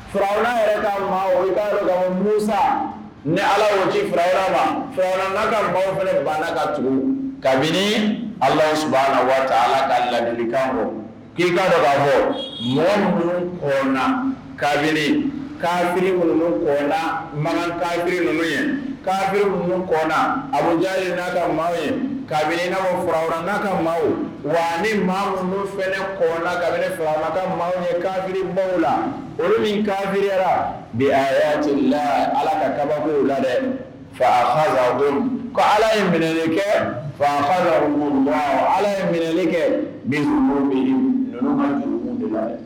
Farala yɛrɛ ka maawsa ni ala o jiuraura la farala ka maawfɛ bannala ka tugu kabini ala su la waati ala ka ladikanbɔ kin ka dɔraba h mɔgɔ minnu kabibi ŋ kɔ maratabiri ninnu ye kabi minnu abuja n'a ka maaw ye kabinibiina fura n'a ka maaw wa ni maa minnu fana kama ka maaw ye kabiribaww la olu min kabi bi la ala ka kababuguw la dɛ fafa ko ala ye mli kɛ fafa ala ye minɛli kɛ